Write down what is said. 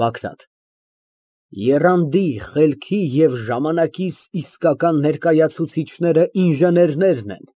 ԲԱԳՐԱՏ ֊ Եռանդի, խելքի և ժամանակիս իսկական ներկայացուցիչներն ինժեներներն են։